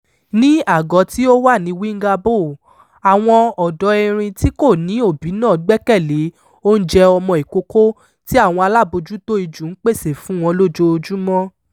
Ní àgọ́ tí ó wà ní Wingabaw, àwọn ọ̀dọ́ erin tí kò ní òbí náà gbẹ́kẹ̀lé oúnjẹ ọmọ ìkókó tí àwọn alábòójútó ijù ń pèsè fún wọn lójoojúmọ́.